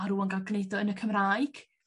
A rwan gal gneud o yn y Cymraeg.